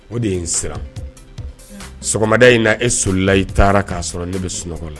O de ye n siran. Sɔgɔmada in na, e sola, i taara k'a sɔrɔ ne bɛ sunɔgɔ la.